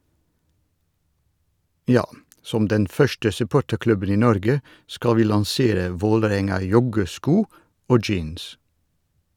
- Ja, som den første supporterklubben i Norge skal vi lansere Vålerenga-joggesko og - jeans.